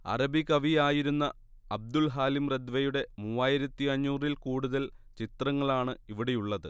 അറബികവി ആയിരുന്ന Abdul Halim റദ്വയുടെ മൂവായിരത്തിയഞ്ഞൂറിൽ കൂടുതൽ ചിത്രങ്ങളാണ് ഇവിടെയുള്ളത്